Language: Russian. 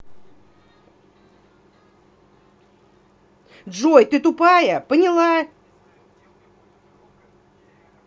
джой ты тупая поняла